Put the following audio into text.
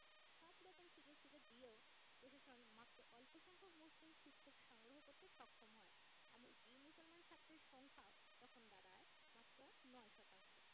সব রকম সুযোগসুবিধা দিয়েও প্রশাসন মাত্র অল্পসংখ্যক মুসলিম শিক্ষক সংগ্রহ করতে সক্ষম হয় এমনকি মুসলমান ছাত্রের সংখ্যাও তখন দাঁড়ায় মাত্র ৯ শতাংশ